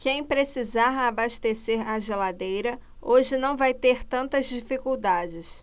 quem precisar abastecer a geladeira hoje não vai ter tantas dificuldades